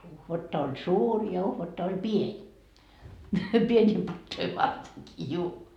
uhvatta on suuri ja uhvatta oli pieni pieniä patoja vartenkin juu